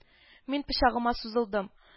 Мин пычагыма сузылдым